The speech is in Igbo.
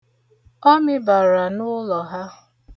Ọ mịbara n'ụlọ ha.